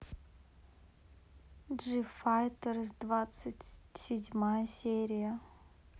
джи файтерс двадцать седьмая серия